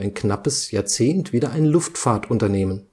knappes Jahrzehnt wieder ein Luftfahrtunternehmen